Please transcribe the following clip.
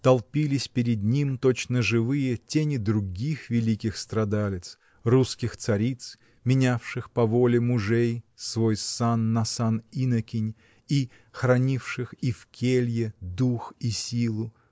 Толпились перед ним, точно живые, тени других великих страдалиц: русских цариц, менявших по воле мужей свой сан на сан инокинь и хранивших и в келье дух и силу